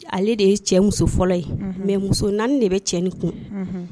Ale de ye cɛ muso fɔlɔ ye mɛ muso naani de bɛ cɛ ni kun